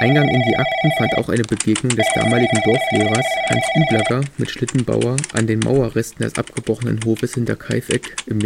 immer wieder mit der Tat in Verbindung gebracht. Eingang in die Akten fand auch eine Begegnung des damaligen Dorflehrers Hans Yblagger mit Schlittenbauer an den Mauerresten des abgebrochenen Hofes Hinterkaifeck im